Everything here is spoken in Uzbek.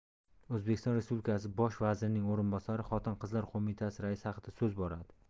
o'zbekiston respublikasi bosh vazirining o'rinbosari xotin qizlar qo'mitasi raisi haqida so'z boradi